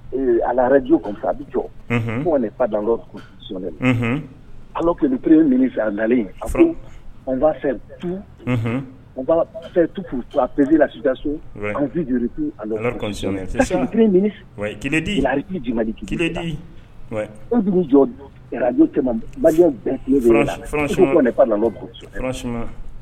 Alaj a bɛ jɔ danɔn alabip fɛ nalen fɛ tu tuu apla sodi alidi jɔj